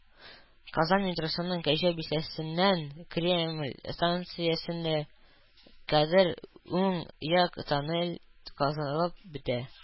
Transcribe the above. Казан метросының “Кәҗә бистәсе”ннән “Кремль” станциясенә кадәр уң як тоннель казылып бетә